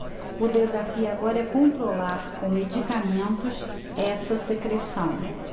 o desafio agora é controlar com medicamentos essa secreção